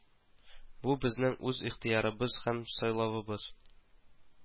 Бу безнең үз ихтыярыбыз һәм сайлавыбыз